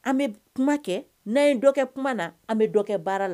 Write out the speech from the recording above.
An bɛ kuma kɛ n'an ye dɔgɔkɛ kuma na an bɛ dɔgɔ kɛ baara la